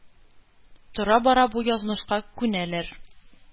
Тора-бара бу язмышка күнәләр.